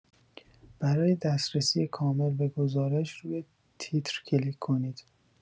برای دسترسی کامل به گزارش روی تیتر کلیک کنید.